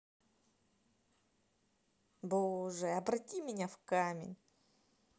боже обрати меня в камень